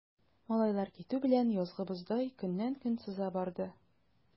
Малайлар китү белән, язгы боздай көннән-көн сыза барды.